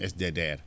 SDDR